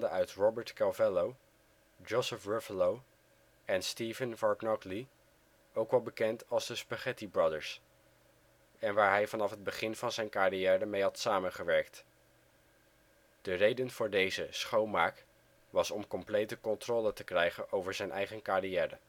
uit (Robert) Calvallo, (Joseph) Ruffalo en (Steven) Fargnoli, ook wel bekend als de " Spaghetti Brothers " en waar hij vanaf het begin van zijn carrière mee had samengewerkt. De reden voor deze " schoonmaak " was om complete controle te krijgen over zijn eigen carrière